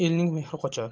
elning mehri qochar